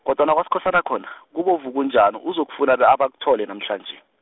kodwana kwaSkhosana khona, kubovu kunjani uzokufuna be- abakuthole namhlanje.